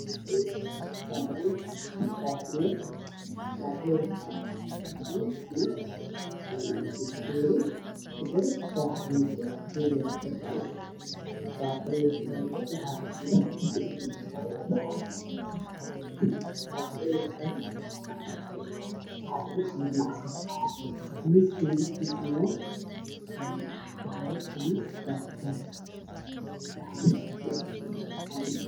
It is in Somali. Waxa ay muuqda koob yar oo ay ku jirto galley keeri shaah ku jira an iyo koob yar oo ku jiro saliid